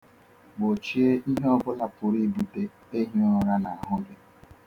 Gbochie ihe ọ bụla pụrụ ibute ehighịụra n'ahụ gị.